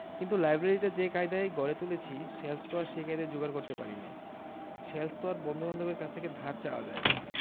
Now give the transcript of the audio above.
কিন্তু লাইব্রেরিটা যে কায়দায় গড়ে তুলেছি শেলফ তো আর সে কায়দায় যোগাড় করতে পারি নে শেলফ তো আর বন্ধুবান্ধবের কাছ থেকে ধার চাওয়া যায় না